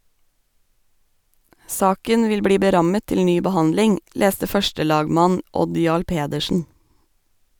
Saken vil bli berammet til ny behandling, leste førstelagmann Odd Jarl Pedersen.